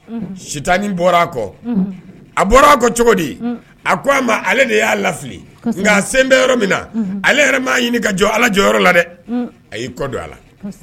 Si tan bɔra a kɔ a bɔra a kɔ cogodi a ko a ma ale de y'a lafili nka a sen bɛ yɔrɔ min na ale yɛrɛ m' ɲini ka jɔ ala jɔyɔrɔ yɔrɔ la dɛ a y'i kɔdo a